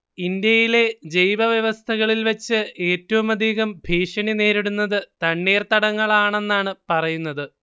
ഇന്ത്യയിലെ ജൈവവ്യവസ്ഥകളിൽ വെച്ച് ഏറ്റവുമധികം ഭീഷണി നേരിടുന്നത് തണ്ണീർതടങ്ങളാണെന്നാണ് പറയുന്നത്